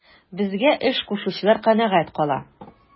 Безгә эш кушучылар канәгать кала.